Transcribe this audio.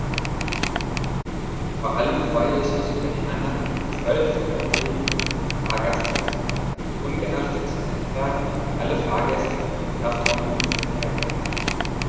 Vor allem freue ich mich über die Annahme von 12 grundlegenden Fahrgastrechten, die ungeachtet der Entfernung für alle Fahrgäste im Kraftomnibusverkehr gelten.